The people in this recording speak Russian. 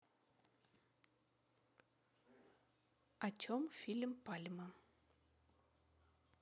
о чем фильм пальма